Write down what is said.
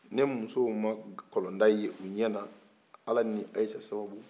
ne muso ma kolonda ye u ɲɛ na ala ni ayise sababu